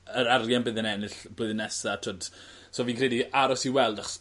yr arian bydd e'n ennill blwyddyn nesa t'wod so fi'n credu aros i weld achos